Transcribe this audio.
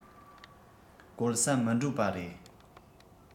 བཀོལ ས མི འགྲོ པ རེད